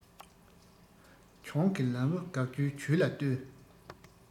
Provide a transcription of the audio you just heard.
གྱོང གི ལམ བུ དགག རྒྱུའི བྱུས ལ ལྟོས